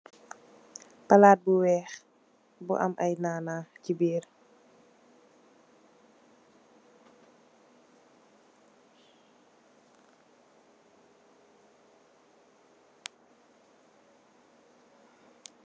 Palate bu weex bu am aye nana se birr.